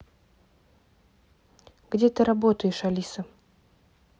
где ты работаешь алиса